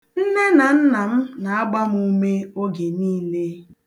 Nne na nna m na-agba m ume oge niile.